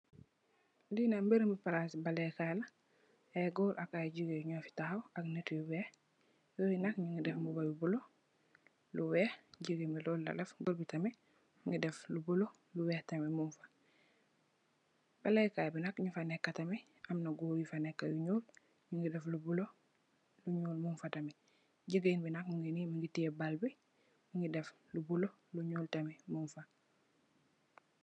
Lee nak berebu plase lekeh kai la aye goor ak aye jegain nufe tahaw ak neet yu weex nuy nak nuge def muba yu bulo lu weex jegain be loy la def goor muge def lu bulo lu weex tamin mugfa balekaye be nufa neka tamin amna goor yufa neka yu nuul nuge def lu bulo lu nuul mugfa tamin jegain be nak muge nee muge teye bal be muge def lu bulo lu nuul tamin mugfa.